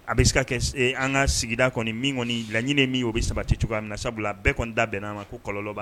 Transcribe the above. A bɛ se ka kɛ an ka sigida kɔni kɔni laɲini min o bɛ sabati cogoya na sabula bɛɛ kɔni da bɛn' ma ko kɔlɔlɔnlɔba